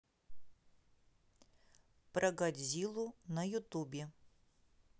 про годзиллу на ютубе